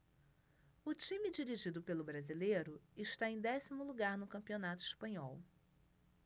o time dirigido pelo brasileiro está em décimo lugar no campeonato espanhol